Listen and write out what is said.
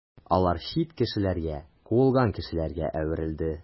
Алар чит кешеләргә, куылган кешеләргә әверелде.